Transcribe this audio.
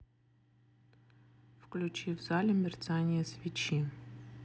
включи в зале мерцание свечи